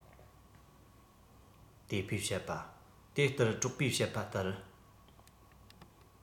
དེ ཕོས བཤད པ དེ ལྟར གྲོགས པོས བཤད པ ལྟར